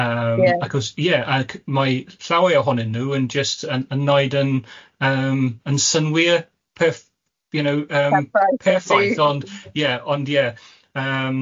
...acos ie, ac mae llawer ohonyn nhw yn jyst yn yn wnaud yn yym yn synnwyr perff- you know yym... Perffaith. ...perffaith ond ie ond ie yym.